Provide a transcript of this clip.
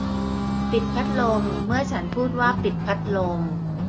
ปิดพัดลมเมื่อฉันพูดว่าปิดพัดลม